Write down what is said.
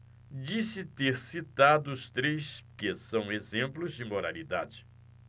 disse ter citado os três porque são exemplos de moralidade